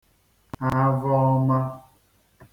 avọọ̄mā